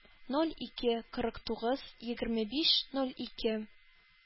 Ноль ике, кырык тугыз, егерме биш, ноль ике